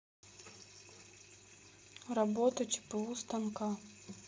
работа чпу станка